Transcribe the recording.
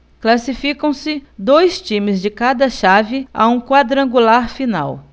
classificam-se dois times de cada chave a um quadrangular final